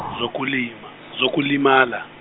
zokulima zokulimala.